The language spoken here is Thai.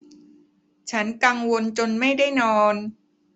ฉันกังวลจนไม่ได้นอน